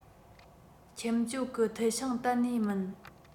ཁྱིམ སྤྱོད གི མཐིལ ཤིང གཏན ནས མིན